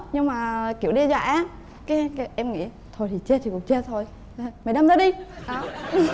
nhưng mà kiểu đe dọa á cái em nghĩ thôi thì chết thì chết thôi mày đâm tao đi đó